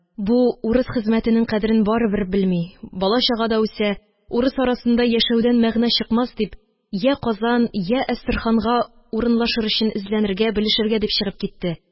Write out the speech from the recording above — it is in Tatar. Бу урыс хезмәтнең кадерен барыбер белми, бала-чага да үсә, урыс арасында яшәүдән мәгънә чыкмас дип, йә Казан, йә Әстерханга урынлашыр өчен эзләнергә, белешергә дип чыгып китте,